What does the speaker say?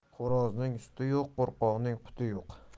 xo'rozning suti yo'q qo'rqoqning quti yo'q